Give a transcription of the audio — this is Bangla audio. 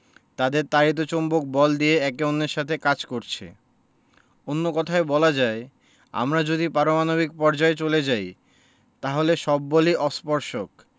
তাদের তড়িৎ চৌম্বক বল দিয়ে একে অন্যের সাথে কাজ করছে অন্য কথায় বলা যায় আমরা যদি পারমাণবিক পর্যায়ে চলে যাই তাহলে সব বলই অস্পর্শক